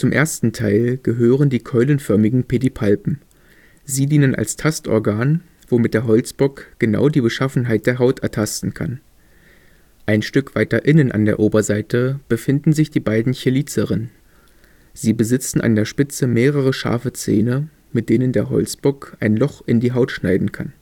ersten Teil gehören die keulenförmigen Pedipalpen; sie dienen als Tastorgan, womit der Holzbock genau die Beschaffenheit der Haut ertasten kann. Ein Stück weiter innen an der Oberseite befinden sich die beiden Cheliceren. Sie besitzen an der Spitze mehrere scharfe Zähne, mit denen der Holzbock ein Loch in die Haut schneiden kann